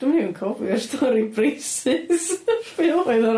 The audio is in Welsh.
Dwi'm yn even cofio'r stori Braces .